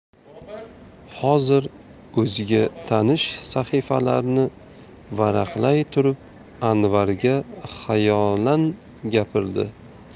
hozir o'ziga tanish sahifalarni varaqlay turib anvarga xayolan gapirdi